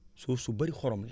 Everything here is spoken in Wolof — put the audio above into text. suuf su bëri xorom la